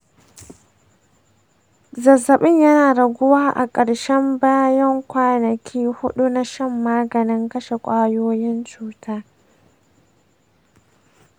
zazzabin yana raguwa a ƙarshe bayan kwanaki huɗu na shan maganin kashe ƙwayoyin cuta.